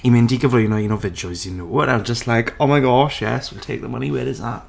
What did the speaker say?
i mynd i gyflwyno un o fideos i nhw, and I was just like "Oh my gosh, yes! We'll take the money where it's at".